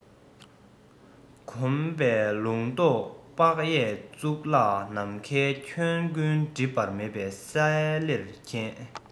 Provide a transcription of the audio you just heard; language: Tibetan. བསྒོམ པས ལུང རྟོགས དཔག ཡས གཙུག ལག ནམ མཁའི ཁྱོན ཀུན སྒྲིབ པ མེད པར གསལ ལེར མཁྱེན